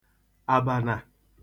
àbànà